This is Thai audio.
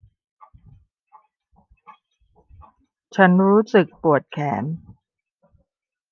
ฉันรู้สึกปวดแขน